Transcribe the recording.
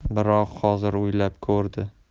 biroq hozir o'ylab ko'rdi